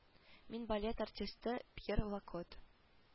Мин балет артисты пьер лакот